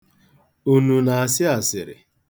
Unu na-asị asịrị?